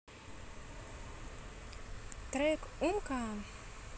трек умка